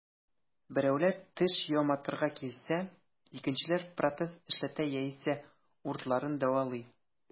Берәүләр теш яматырга килсә, икенчеләр протез эшләтә яисә уртларын дәвалый.